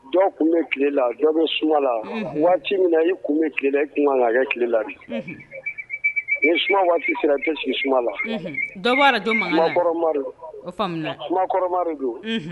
Bɛ tilele bɛ waati min i bɛ tile a tilele ni waati sera sigi don